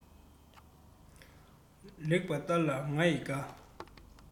ལེགས པར བརྟག ལ ང ཡི བཀའ